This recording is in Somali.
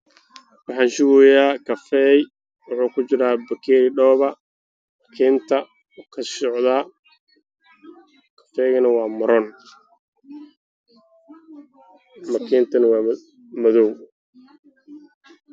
Waxaan shubayaa kafeey wuxuu ku jiraa bakeeri dhooba ah markinta ayuu ka socdaa kafeeyagana waa maroon markintana waa madow